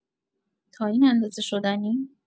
تا این اندازه شدنی!